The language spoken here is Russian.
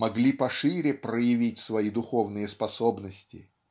могли пошире проявить свои духовные-способности".